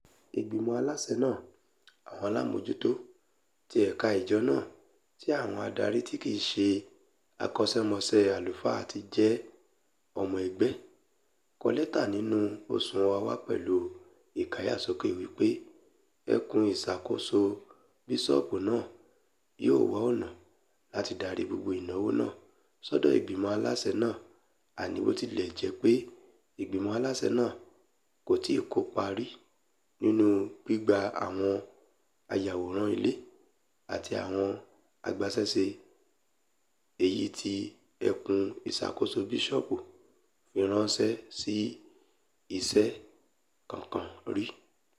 Ìgbìmọ̀ aláṣẹ naa - àwọn aláàmójútó ti ẹ̀ka ìjọ náà, tí àwọn adarí tí kìí ṣe akọ́ṣémọṣẹ́ àlùfáà ti jẹ́ ọmọ ẹgbẹ́ - kọ lẹ́tà nínú oṣù Ọ̀wàwà pẹ̀lú ìkáyàsókè wípé ẹkùn ìṣàkóso bisọọbu náà ''yóò wá ọ̀nà láti darí gbogbo ìnáwó náà'' s'ọdọ ìgbìmọ̀ aláṣẹ náà, àni botilẹjepe ìgbìmọ̀ aláṣẹ náà kò tíì kó ipa rí nínú gbígba àwọn ayaworan ilé àti àwọn agbaṣẹ́ṣe èyití ẹkùn ìṣàkóso bisọọbu fi ranṣẹ sí iṣẹ́ kankan rí.